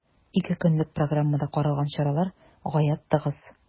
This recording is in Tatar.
Ике көнлек программада каралган чаралар гаять тыгыз.